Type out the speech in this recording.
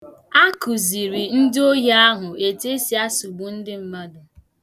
Akụziri ndị ohi ahụ etu esi na-asụgbu ndị mmadụ.